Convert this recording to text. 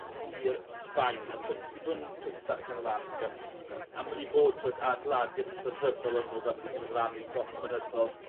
i'r Sbaen a t'od fi 'di bod yn t'wod darllen lan g- am yy am i fod t'wod adeladu yn ystod rhyfel o' n'w fel ma' n'w allu myn' lan i dop mynyddo'dd